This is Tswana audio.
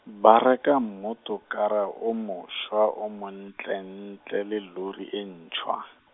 ba reka mmotokara o moswa o montlentle, le lori e ntshwa.